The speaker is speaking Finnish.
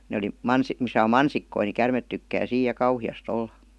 ne oli - missä on mansikoita niin käärmeet tykkää siinä ja kauheasti olla